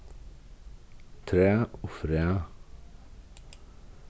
træ og fræ